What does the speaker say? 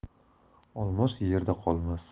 olmos yerda qolmas